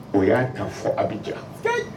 O y'a kan fɔ a bɛ jara